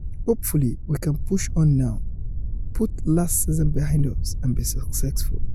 Hopefully, we can push on now, put last season behind us and be successful."